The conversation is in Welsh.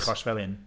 Achos fel hyn.